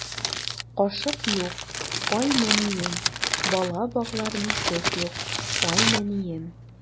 Кашык юк, ай нәнием, Бала баглар бишек юк, ай нәнием.